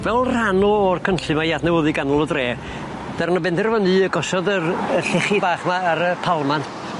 Fel rhan o o'r cynllun 'ma i adnewyddu ganol y dre daru nw benderfynu gosodd yr y llechi bach 'ma ar y palmant.